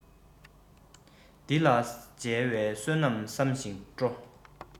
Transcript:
འདི ལ མཇལ བའི བསོད ནམས བསམ ཞིང སྤྲོ